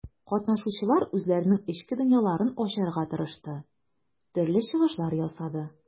Катнашучылар үзләренең эчке дөньяларын ачарга тырышты, төрле чыгышлар ясады.